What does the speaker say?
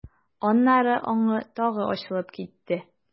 Аннары аңы тагы ачылып китте.